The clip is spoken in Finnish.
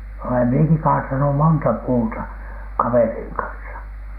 olen minäkin kaatanut monta puuta kaverin kanssa